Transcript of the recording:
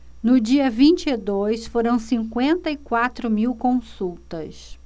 no dia vinte e dois foram cinquenta e quatro mil consultas